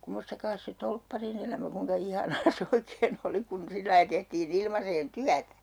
kummoistas se torpparin elämä kuinka ihanaa se oikein oli kun sillä lailla tehtiin ilmaiseen työtä